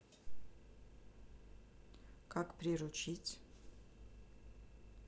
как приручить